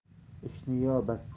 ishni yo bachcha